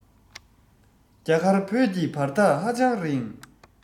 རྒྱ གར བོད ཀྱི བར ཐག ཧ ཅང རིང